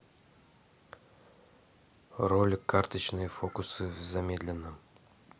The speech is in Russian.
ролик карточные фокусы в замедленном